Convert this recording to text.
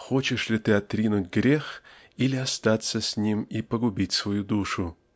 хочешь ли ты отринуть грех или остаться с ним и погубить свою душу?